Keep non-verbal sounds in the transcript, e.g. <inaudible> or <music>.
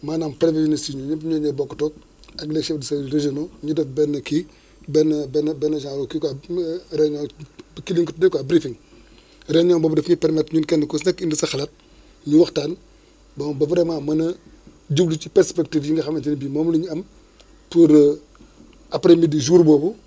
maanaam premier ministre yi ñun ñëpp ñun ñooy bokk toog ak les chefs du service régionaux ñu def benn kii benn benn benn genre kii quoi <hesitation> réunion kii la ñu ko tuddee quoi breafing réunion boobu daf ñuy permettre ñun kenn ku ci nekk indi sa xalaat ñu waxtaan bon ba vraiment mën a jublu ci perspectives yi nga xamante ne bi moom la ñu am pour après midi jour boobu